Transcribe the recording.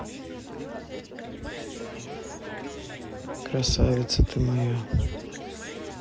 красавица ты моя